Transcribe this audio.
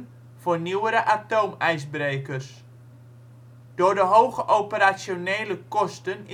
voor nieuwere atoomijsbrekers. Door de hoge operationele kosten